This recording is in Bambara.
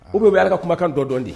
U bɛ u' ka kumakan dɔ dɔn di